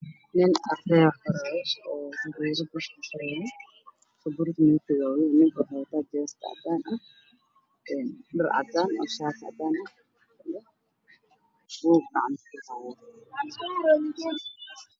Nin oo wato raato haddana sulaan muduhu ah oo dul taagan sabuurad madow ah wuxuu gacanta ku wata jeesto cadaan ah